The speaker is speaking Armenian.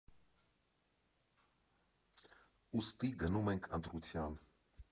Ուստի գնում ենք ընտրության։